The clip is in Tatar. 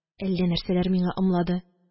Әллә нәрсәләр миңа ымлады